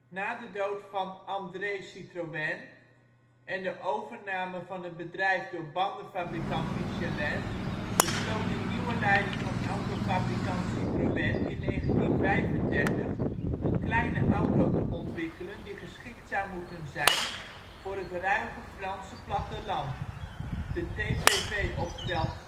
Na de dood van André Citroën en de overname van het bedrijf door bandenfabrikant Michelin besloot de nieuwe leiding van autofabrikant Citroën in 1935 een kleine auto te ontwikkelen die geschikt zou moeten zijn voor het ruige Franse platteland: de TPV, oftewel